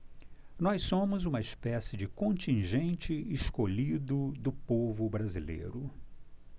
nós somos uma espécie de contingente escolhido do povo brasileiro